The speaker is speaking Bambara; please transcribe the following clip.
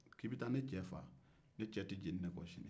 k'i bɛ taa ne cɛ faga ne cɛ tɛ jeni ne kɔsini